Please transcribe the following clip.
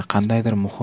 qandaydir muhim